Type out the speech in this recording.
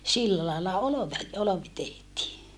sillä lailla - olvi tehtiin